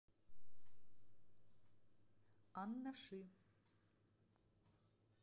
анна ши